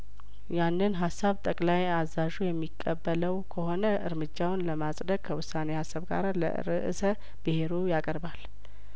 ያንን ሀሳብ ጠቅላይ አዛዡ የሚቀበለው ከሆነ እርምጃውን ለማጽደቅ ከውሳኔ ሀሳብ ጋር ለርእሰ ብሄሩ ያቀርባል